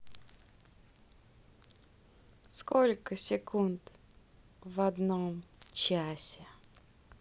сколько секунд в одном часе